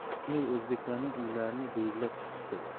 kimdir o'zbeklarning uylarini belgilab chiqibdi